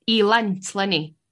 i Lent leni